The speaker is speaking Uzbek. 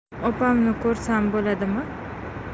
opamni ko'rsam bo'ladimi